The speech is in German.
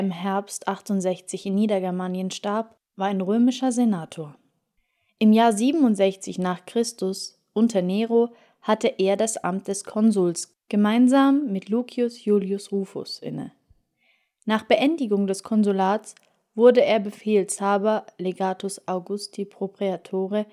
Herbst 68 in Niedergermanien) war ein römischer Senator. Im Jahr 67 n. Chr., unter Nero, hatte er das Amt des Konsuls gemeinsam mit Lucius Iulius Rufus inne. Nach Beendigung des Konsulats wurde er Befehlshaber (legatus Augusti pro praetore